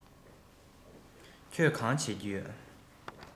ཁྱོད གང བྱེད ཀྱི ཡོད